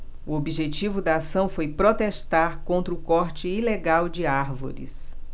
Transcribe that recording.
o objetivo da ação foi protestar contra o corte ilegal de árvores